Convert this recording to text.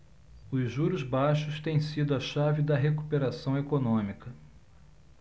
os juros baixos têm sido a chave da recuperação econômica